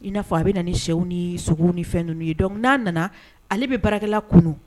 I n'a fɔ a bɛ na ni sɛw ni sogo ni fɛn ninnuu ye, donc n'a nana, ale bɛ baarakɛla kunun.